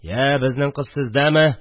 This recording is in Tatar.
– я, безнең кыз сездәме